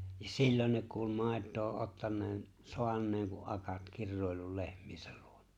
ja silloin ne kuuli maitoa ottaneen saaneen kun akat kiroillut lehmiensä luona